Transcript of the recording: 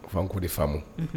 A' ko di famu